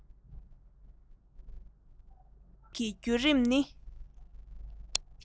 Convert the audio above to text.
རྩོམ རིག གི རྒྱུད རིམ ནི